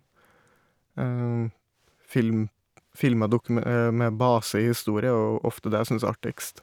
Film, filmer dokume med base i historie er jo ofte det jeg synes er artigst.